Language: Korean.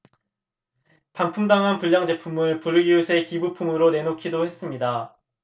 반품당한 불량제품을 불우이웃에 기부품으로 내놓기도 했습니다